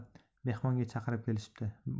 mehmonga chaqirib kelishibdi